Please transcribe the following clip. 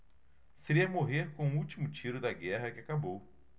seria morrer com o último tiro da guerra que acabou